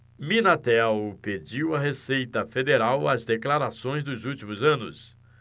minatel pediu à receita federal as declarações dos últimos anos